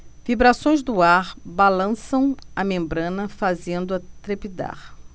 vibrações do ar balançam a membrana fazendo-a trepidar